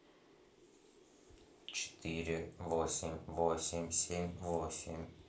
четыре восемь восемь семь восемь